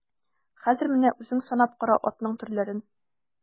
Хәзер менә үзең санап кара атның төрләрен.